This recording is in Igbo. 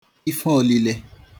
ifeolile